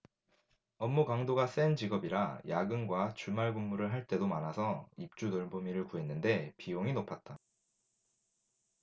업무 강도가 센 직업이라 야근과 주말근무를 할 때도 많아서 입주돌보미를 구했는데 비용이 높았다